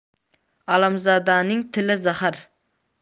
alamzadaning tili zahar